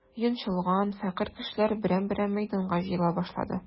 Йончылган, фәкыйрь кешеләр берәм-берәм мәйданга җыела башлады.